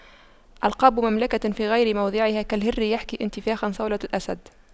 ألقاب مملكة في غير موضعها كالهر يحكي انتفاخا صولة الأسد